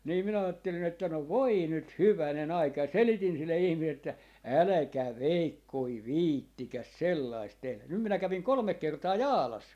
niin minä ajattelin että no voi nyt hyvänen aika ja selitin sille ihmiselle että älkää veikkonen viitsikö sellaista tehdä nyt minä kävin kolme kertaa Jaalassa